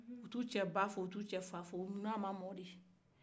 u t'u cɛ ba fo u t'u cɛ fa fo u na ma mɔ de